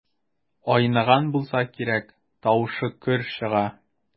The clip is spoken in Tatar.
Айныган булса кирәк, тавышы көр чыга.